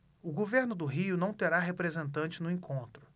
o governo do rio não terá representante no encontro